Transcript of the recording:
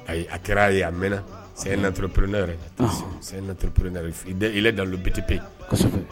Ayi a kɛra' ye a mɛn saya in natour ppurɛ nato ppɛre i tɛ i dalu biti pe